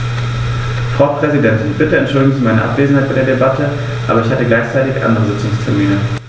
Frau Präsidentin, bitte entschuldigen Sie meine Abwesenheit bei der Debatte, aber ich hatte gleichzeitig andere Sitzungstermine.